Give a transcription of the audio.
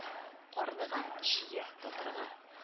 – карлыган-чия татырга